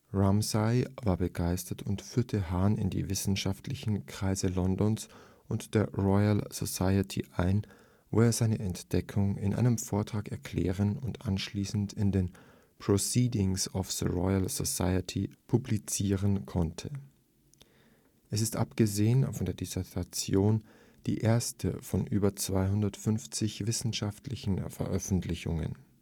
Ramsay war begeistert und führte Hahn in die wissenschaftlichen Kreise Londons und der Royal Society ein, wo er seine Entdeckung in einem Vortrag erklären und anschließend in den Proceedings of the Royal Society publizieren konnte. Es ist – abgesehen von der Dissertation – die erste von über 250 wissenschaftlichen Veröffentlichungen